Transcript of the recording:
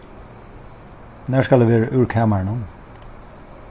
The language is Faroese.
nær skal eg vera úr kamarinum